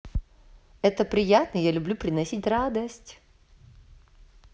это приятно я люблю приносить радость